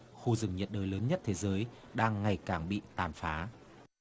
khu rừng nhiệt đới lớn nhất thế giới đang ngày càng bị tàn phá